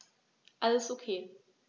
Alles OK.